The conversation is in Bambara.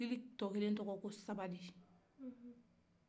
kili tɔ kelen tɔgɔ ye ko sabali